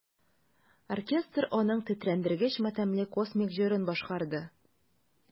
Оркестр аның тетрәндергеч матәмле космик җырын башкарды.